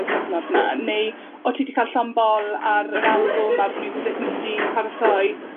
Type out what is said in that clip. ...y cyfnod 'na, neu o' ti 'di ca'l llond bol ar yr albwm, ar miwsig nest ti paratoi?